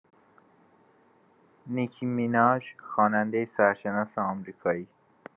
نیکی میناژ خواننده سرشناس آمریکایی